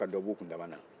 ko ka dɔ bɔ u kundama na